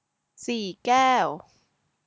สี่แก้ว